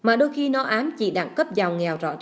mà đôi khi nó ám chỉ đẳng cấp giàu nghèo rõ